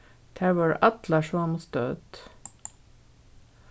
tær vóru allar somu stødd